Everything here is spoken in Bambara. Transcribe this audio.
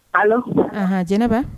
A jɛnɛ